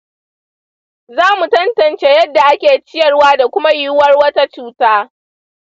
za mu tantance yadda ake ciyarwa da kuma yiwuwar wata cuta.